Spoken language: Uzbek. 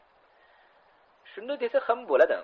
shunday desak ham bo'ladi